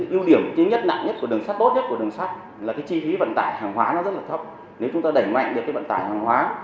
ưu điểm duy nhất nặng nhất của đường sắt tốt nhất của đường sắt là cái chi phí vận tải hàng hóa của nó rất là thấp nếu chúng ta đẩy mạnh được cái vận tải hàng hóa